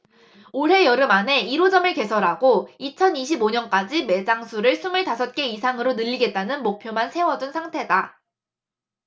올해 여름 안에 일 호점을 개설하고 이천 이십 오 년까지 매장 수를 스물 다섯 개 이상으로 늘리겠다는 목표만 세워둔 상태다